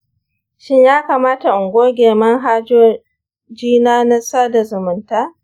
shin ya kamata in goge manhajojina na sada zumunta?